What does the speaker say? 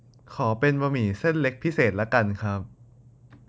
ขอเป็นบะหมี่เส้นเล็กพิเศษละกันครับ